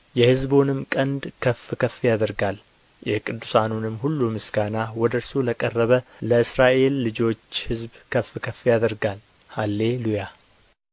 የሕዝቡንም ቀንድ ከፍ ከፍ ያደርጋል የቅዱሳኑንም ሁሉ ምስጋና ወደ እርሱ ለቀረበ ለእስራኤል ልጆች ሕዝብ ከፍ ከፍ ያደርጋል ሃሌ ሉያ